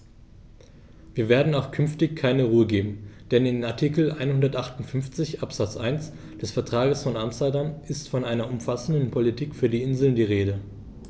Wir werden auch künftig keine Ruhe geben, denn in Artikel 158 Absatz 1 des Vertrages von Amsterdam ist von einer umfassenden Politik für die Inseln die Rede.